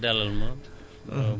parce que sama rakk nga